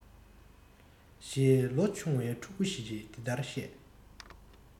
ཞེས ལོ ཆུང བའི ཕྲུ གུ ཞིག གི འདི ལྟར གཤས